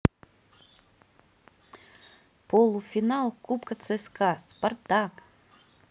полуфинал кубка цска спартак